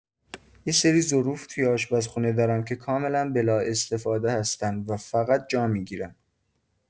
یه سری ظروف توی آشپزخونه دارم که کاملا بلااستفاده هستن و فقط جا می‌گیرن.